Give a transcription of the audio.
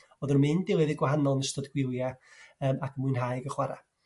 O'ddwn nhw'n mynd i lefydd gwahanol yn ystod gwyliau yrm ac mwynhau y chwara'.